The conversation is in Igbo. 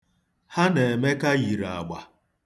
Ha na Emeka yiri agba.